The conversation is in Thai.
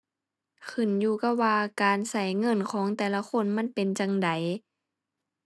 ขึ้นอยู่กับว่าการใช้เงินของแต่ละคนมันเป็นจั่งใด